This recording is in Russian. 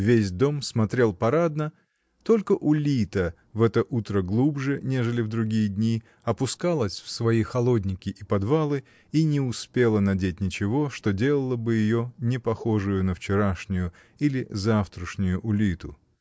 Весь дом смотрел парадно, только Улита в это утро глубже, нежели в другие дни, опускалась в свои холодники и подвалы и не успела надеть ничего, что делало бы ее непохожею на вчерашнюю или завтрешнюю Улиту.